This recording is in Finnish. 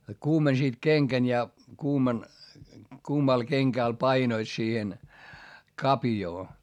kuumensivat kengän ja kuuman kuumalla kengällä painoivat siihen kavioon